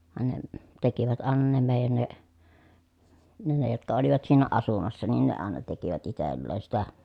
vaan ne tekivät aina ne meidän ne ne ne jotka olivat siinä asumassa niin ne aina tekivät itselleen sitä